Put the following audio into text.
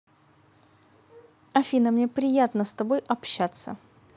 афина мне приятно с тобой общаться